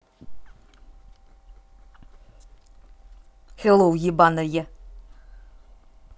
hollow ебаное